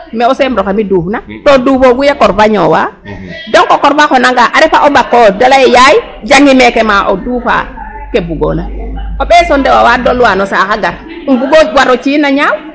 Mais o ser oxe mi' duufna to duufoogu korof a ñoowaa donc a korof a xonanga a refa o ɓak o ta lay ee Yaay ye jangi meke ma o duufaa ke bugoona o ɓees o ndew a wa dolwaa no saax a gar um bug o war o ci'in a ñaaw.